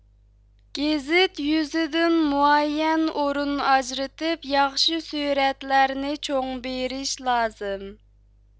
گېزىت يۈزىدىن مۇئەييەن ئورۇن ئاجرىتىپ ياخشى سۈرەتلەرنى چوڭ بېرىش لازىم